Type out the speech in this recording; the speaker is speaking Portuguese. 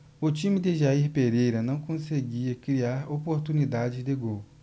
o time de jair pereira não conseguia criar oportunidades de gol